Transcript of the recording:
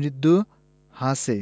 মৃদু হাসে